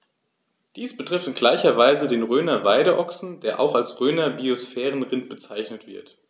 Dies betrifft in gleicher Weise den Rhöner Weideochsen, der auch als Rhöner Biosphärenrind bezeichnet wird.